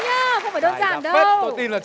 phải đơn giản đâu